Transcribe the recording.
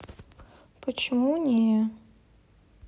почему не